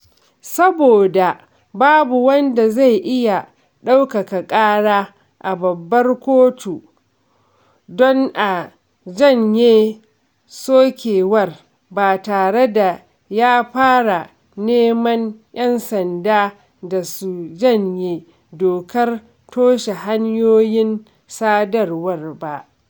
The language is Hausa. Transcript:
Saboda haka, "babu wanda zai iya ɗaukaka ƙara a babbar kotu" [sashe na 13(2)]don a janye sokewar ba tare da ya fara neman 'yan sanda da su janye dokar toshe hanyoyin sadarwar ba.